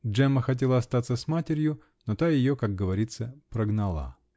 Джемма хотела остаться с матерью, но та ее, как говорится, прогнала.